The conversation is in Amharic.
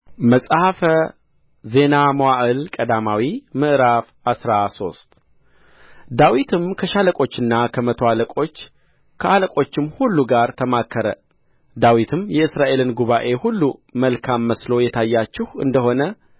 መጽሐፈ ዜና መዋዕል ቀዳማዊ ምዕራፍ አስራ ሶስት ዳዊትም ከሻለቆችና ከመቶ አለቆች ከአለቆቹም ሁሉ ጋር ተማከረ ዳዊትም የእስራኤልን ጉባኤ ሁሉ መልካም መስሎ የታያችሁ እንደሆነ